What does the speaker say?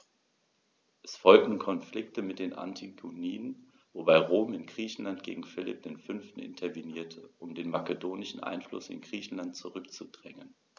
Es folgten Konflikte mit den Antigoniden, wobei Rom in Griechenland gegen Philipp V. intervenierte, um den makedonischen Einfluss in Griechenland zurückzudrängen.